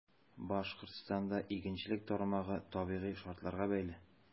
Башкортстанда игенчелек тармагы табигый шартларга бәйле.